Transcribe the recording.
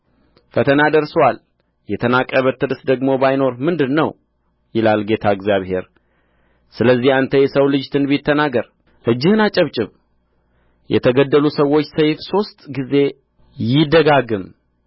ፈተና ደርሶአል የተናቀ በትርስ ደግሞ ባይኖር ምንድር ነው ይላል ጌታ እግዚአብሔር ስለዚህ አንተ የሰው ልጅ ትንቢት ተናገር እጅህን አጨብጭብ የተገደሉ ሰዎች ሰይፍ ሦስት ጊዜ ይደጋግም